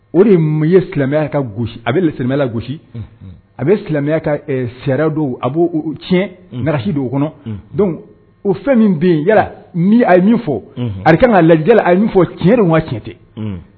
O de ye ma ye silamɛya ka gosi a bɛ yala gosi a bɛ silamɛya ka sɛ don a'si don kɔnɔ don o fɛn min bɛ yen yala a ye min fɔ ari ka lajɛjala a ye min fɔ cɛnri wa tiɲɛ tɛ